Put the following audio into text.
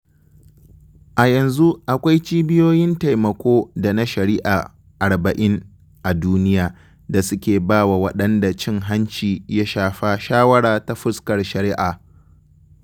A yanzu akwai cibiyoyin taimako da na shari'a 40 a duniya da suke ba wa waɗanda cin-hanci ya shafa shawara ta fuskar shari'a.